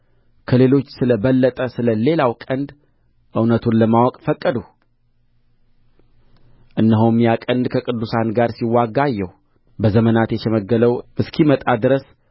ከሌሎች ስለ በለጠ ስለ ሌላው ቀንድ እውነቱን ለማወቅ ፈቀድሁ እነሆም ያ ቀንድ ከቅዱሳን ጋር ሲዋጋ አየሁ በዘመናት የሸመገለው እስኪመጣ ድረስ